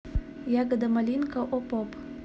ягода малинка оп оп